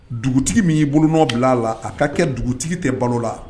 Dugutigi min y'i bolona bila a la a ka kɛ dugutigi tɛ balo la